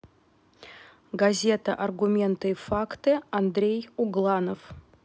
газета аргументы и факты андрей угланов